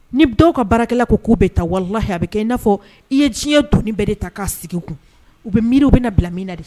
Ni dɔw ka baarakɛla ko k'u bɛ ta walelayi a bɛ kɛ i n'a fɔ i ye diɲɛ dun bɛɛ de ta k'a sigi kun u bɛ miiriw u bɛna na bila min na de